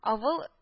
Авыл